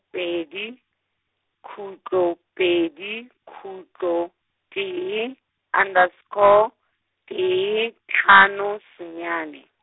pedi, khutlo, pedi, khutlo, tee, underscore, tee, hlano, senyane.